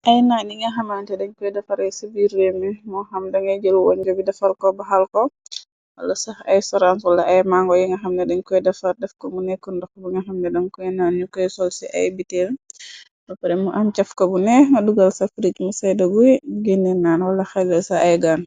Ay naan yi nga xamante dañ koy defaray ci biir reew mi, moo xam dangay jël woonjo bi defar ko baxal ko, wala sax ay sorans, wala ay màngo yi nga xamne dañ koy defar, def ko mu nekk ndox bu nga xamne dan koy naan, ñu koy sol ci ay biteel, bappare mu am cafka bu neex, nga dugal ca firic mu sayda guy, nga gene naan, wala xelel ca ay gaan.